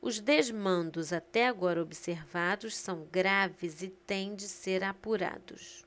os desmandos até agora observados são graves e têm de ser apurados